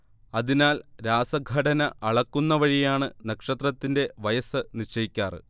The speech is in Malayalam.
അതിനാൽ രാസഘടന അളക്കുന്നവഴിയാണ് നക്ഷത്രത്തിന്റെ വയസ്സ് നിശ്ചയിക്കാറ്